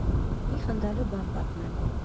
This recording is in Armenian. Մի խնդալու բան պատմեմ.